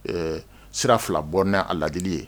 Ɛɛ sira fila bɔnna a ladieli ye